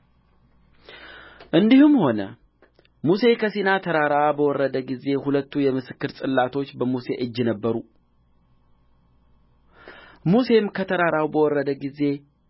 እንዲህም ሆነ ሙሴ ከሲና ተራራ በወረደ ጊዜ ሁለቱ የምስክር ጽላቶች በሙሴ እጅ ነበሩ ሙሴም ከተራራው በወረደ ጊዜ